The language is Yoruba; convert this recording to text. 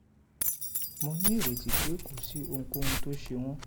Mo ní ìrètí pé kò sí ohunkóhun tó ṣe wọ́n”